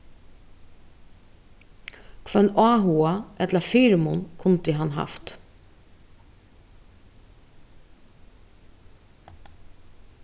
hvønn áhuga ella fyrimun kundi hann havt